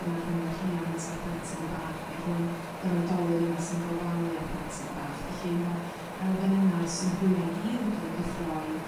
yna rhwng y rhiant a'r plentyn bach ne' rhwng yr oedolyn yna sy'n gofalu a'r plentyn bach felly ma'r elfen yna a'r synhwyre i gyd yn ca'l 'u cyffroi.